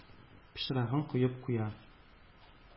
Пычрагын коеп куя.